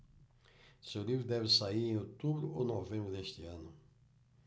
seu livro deve sair em outubro ou novembro deste ano